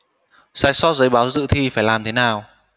sai sót giấy báo dự thi phải làm thế nào